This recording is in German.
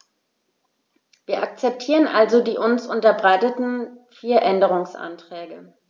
Wir akzeptieren also die uns unterbreiteten vier Änderungsanträge.